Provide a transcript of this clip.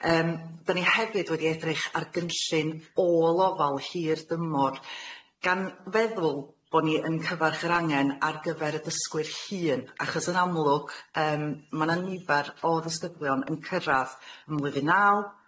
Yym, 'dan ni hefyd wedi edrych ar gynllun ôl-ofal hirdymor, gan feddwl bo' ni yn cyfarch yr angen ar gyfer y dysgwyr hŷn, achos yn amlwg yym ma' 'na nifer o ddisgyblion yn cyrradd ym mlwyddyn naw,